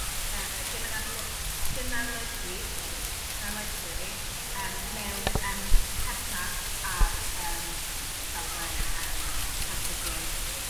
yy gynadlo- gynadledwy sori gynaledwy yym mewn yym perthnas a'r yym safle yym trafdidiaeth y byd?